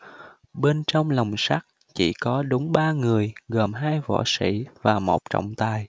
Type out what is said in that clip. bên trong lồng sắt chỉ có đúng ba người gồm hai võ sĩ và một trọng tài